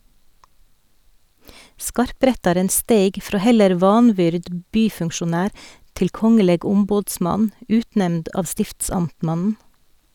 Skarprettaren steig frå heller vanvyrd byfunksjonær til kongeleg ombodsmann, utnemnd av stiftsamtmannen.